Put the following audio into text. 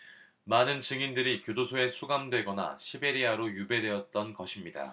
많은 증인들이 교도소에 수감되거나 시베리아로 유배되었던 것입니다